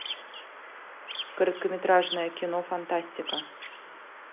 короткометражное кино фантастика